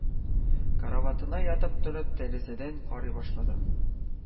Караватына ятып торып, тәрәзәдән карый башлады